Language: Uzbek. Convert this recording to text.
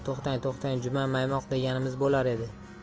to'xtang to'xtang juman maymoq deganimiz bo'lar edi